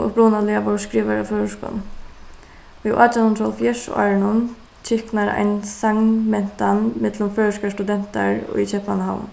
sum upprunaliga vóru skrivaðar á føroyskum í átjanhundraðoghálvfjerðsárunum kyknar ein millum føroyskar studentar í keypmannahavn